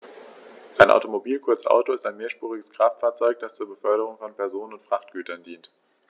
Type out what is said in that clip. Ein Automobil, kurz Auto, ist ein mehrspuriges Kraftfahrzeug, das zur Beförderung von Personen und Frachtgütern dient.